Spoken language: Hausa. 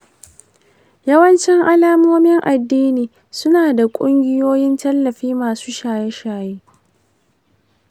yawancin al’ummomin addini suna da ƙungiyoyin tallafin masu shaye-shaye.